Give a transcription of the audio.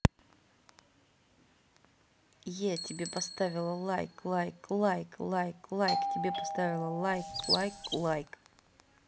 я тебе поставила лайк лайк лайк лайк лайк тебе поставила лайк лайк лайк